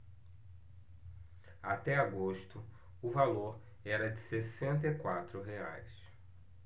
até agosto o valor era de sessenta e quatro reais